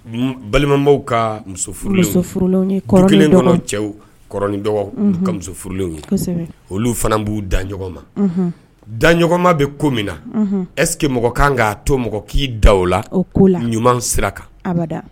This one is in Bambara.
Balimabaw ka muso furu kelen kɔnɔ cɛw dɔgɔ ka musof furulen ye olu fana b'u da ma da ɲɔgɔnma bɛ ko min na ɛssekeke mɔgɔ kan ka'a to mɔgɔ k'i da o la ɲuman sira kan